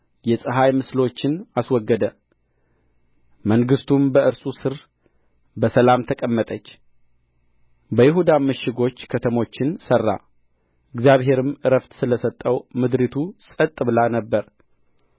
የፀሐይ ምስሎችን አስወገደ መንግሥቱም በእርሱ ሥር በሰላም ተቀመጠች በይሁዳም ምሽጎች ከተሞችን ሠራ እግዚአብሔርም ዕረፍት ስለ ሰጠው ምድሪቱ ጸጥ ብላ ነበር